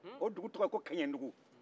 ko dugu tɔgɔ ko kɲɛndugu